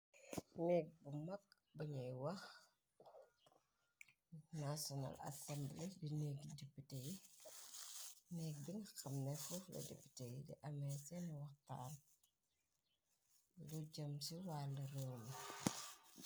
Neek bu mag bañay wax Aational Assemble bi neggi dippite yi negg bi xam nefef la dippite yi di amee seen waxxaam lu jëm ci wàll réew mi.